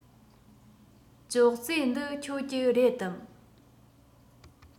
ཅོག ཙེ འདི ཁྱོད ཀྱི རེད དམ